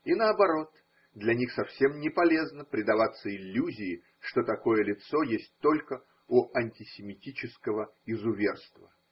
И, наоборот, для них совсем не полезно предаваться иллюзии, что такое лицо есть только у антисемитического изуверства.